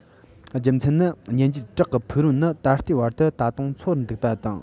རྒྱུ མཚན ནི གཉེན རྒྱུད བྲག གི ཕུག རོན ནི ད ལྟའི བར དུ ད དུང འཚོ བར འདུག པ དང